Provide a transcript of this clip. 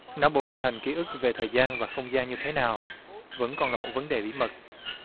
não bộ hình thành ký ức về thời gian và không gian như thế nào vẫn còn là một vấn đề bí mật